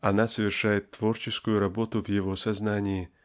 она совершает творческую работу в его сознании